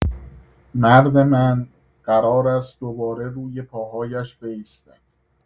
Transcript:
مرد من قرار است دوباره روی پاهایش بایستد.